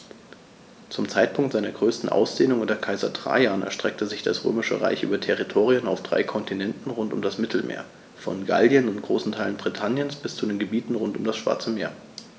Zum Zeitpunkt seiner größten Ausdehnung unter Kaiser Trajan erstreckte sich das Römische Reich über Territorien auf drei Kontinenten rund um das Mittelmeer: Von Gallien und großen Teilen Britanniens bis zu den Gebieten rund um das Schwarze Meer.